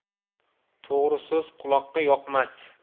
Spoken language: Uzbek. to'g'ri so'z quloqqa yoqmas